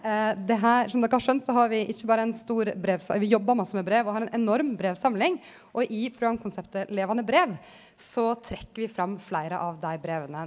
det her som dokker har skjønt så har vi ikkje berre ein stor vi jobbar masse med med brev og har ein enorm brevsamling og i programkonseptet Levende brev så trekk vi fram fleire av dei breva.